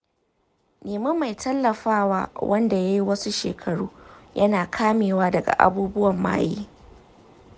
nemi mai tallafawa wanda yayi wasu shekaru yana kamewa daga abubuwan maye.